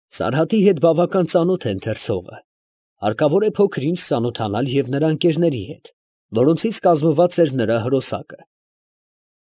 Սարհատի հետ բավական ծանոթ է ընթերցողը, հարկավոր է փոքր ինչ ծանոթանալ և նրա ընկերների հետ, որոնցից կազմված էր նրա հրոսակը։